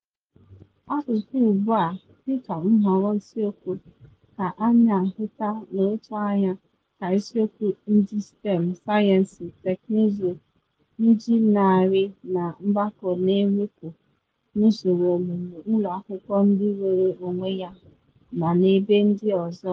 Asụsụ ugbu a, dị ka nhọrọ isiokwu, ka a na ahụta n’otu anya ka isiokwu ndị STEM (sayensị, teknụzụ, ịnjinịarịn na mgbakọ na mwepu) n’usoro ọmụmụ ụlọ akwụkwọ ndị nnwere onwe yana n’ebe ndị ọzọ.